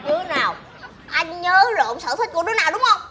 đứa nào anh nhớ lộn sở thích của đứa nào đúng không